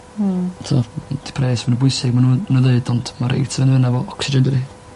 Wel. T'o' n- t- pres fyn' yn bwysig ma' n'w yn n'w ddeud ond ma' reit lan yne efo ocsigen dydi?